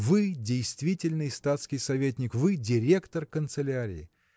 Вы действительный статский советник, вы – директор канцелярии!